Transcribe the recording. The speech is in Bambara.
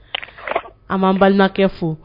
An ma balimakɛ fo